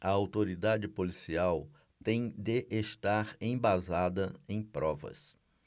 a autoridade policial tem de estar embasada em provas